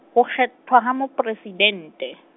ho kgethwa ha Mopresidente.